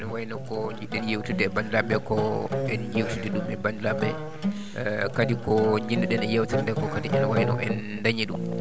wayi no ko njidɗen yeewtidde e banndiraaɓe ko en njewtidii ɗum e bandiraɓeɓe kadi ko njiɗnoɗen e yeewtere nde ko kadi ene wayi no en dañii ɗum